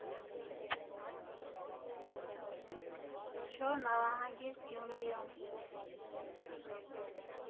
«Չոր նավահանգիստ»՝ Գյումրիում.